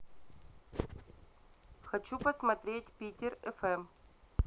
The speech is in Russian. хочу посмотреть питер фм